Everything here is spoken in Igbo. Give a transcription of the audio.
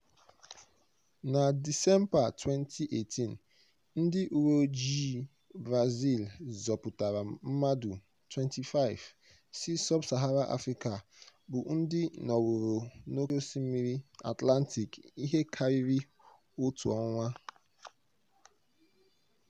Na Disemba 2018, ndị uweojii Brazil zọpụtara mmadụ 25 si sub-Sahara Afrịka bụ́ ndị "nọworo n'oké osimiri Atlantic ihe karịrị otu ọnwa".